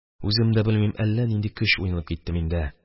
Үзем дә белмим, әллә нинди көч уянып китте миндә